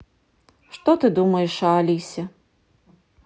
что ты думаешь о алисе